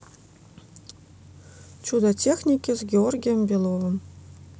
чудо техники с георгием беловым